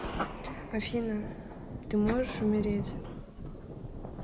афина ты можешь умереть